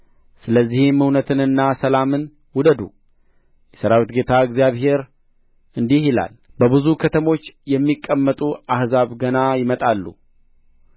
ስለዚህም እውነትንና ሰላምን ውደዱ የሠራዊት ጌታ እግዚአብሔር እንዲህ ይላል በብዙ ከተሞች የሚቀመጡ አሕዛብ ገና ይመጣሉ